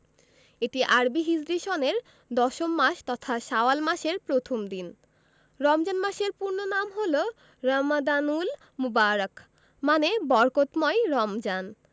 এটি আরবি হিজরি সনের দশম মাস তথা শাওয়াল মাসের প্রথম দিন রমজান মাসের পূর্ণ নাম হলো রমাদানুল মোবারক মানে বরকতময় রমজান